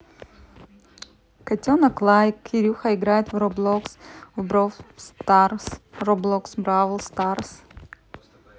котенок лайк кирюха играет в roblox в brawl stars роблокс бравл старс